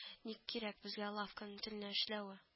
Ник кирәк безгә лавканың төнлә эшләве